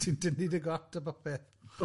Ti'n tynnu dy got a popeth.